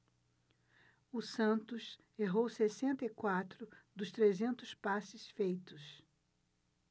o santos errou sessenta e quatro dos trezentos passes feitos